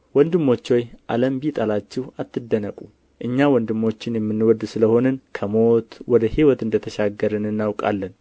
ወንድሞች ሆይ ዓለም ቢጠላችሁ አትደነቁ እኛ ወንድሞችን የምንወድ ስለ ሆንን ከሞት ወደ ሕይወት እንደ ተሻገርን እናውቃለን ወንድሙን የማይወድ በሞት ይኖራል